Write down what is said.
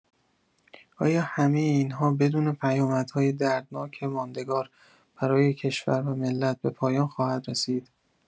آیا همه این‌ها بدون پیامدهای دردناک ماندگار برای کشور و ملت، به پایان خواهد رسید؟